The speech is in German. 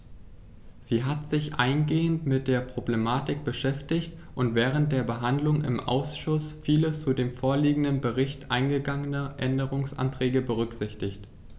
Sie hat sich eingehend mit der Problematik beschäftigt und während der Behandlung im Ausschuss viele zu dem vorliegenden Bericht eingegangene Änderungsanträge berücksichtigt.